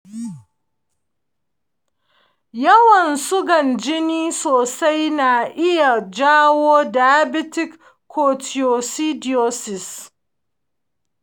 yawan sugan jini sosai na iya jawo diabetic ketoacidosis.